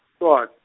Swat-.